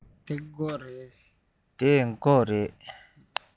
འདི སྒོ རེད